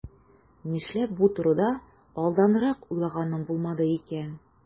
Нишләп бу турыда алданрак уйлаганым булмады икән?